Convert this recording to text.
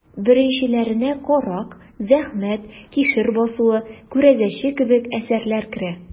Беренчеләренә «Карак», «Зәхмәт», «Кишер басуы», «Күрәзәче» кебек әсәрләр керә.